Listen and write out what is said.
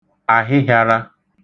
àhịhị̄ārā